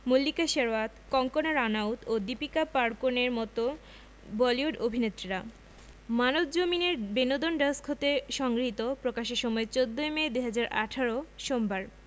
মল্লিকা শেরওয়াত কঙ্গনা রানাউত ও দীপিকা পাড় কোনের মতো বলিউড অভিনেত্রীরা মানবজমিন এর বিনোদন ডেস্ক হতে সংগৃহীত প্রকাশের সময় ১৪ মে ২০১৮ সোমবার